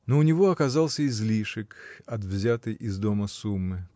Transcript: Но у него оказался излишек от взятой из дома суммы.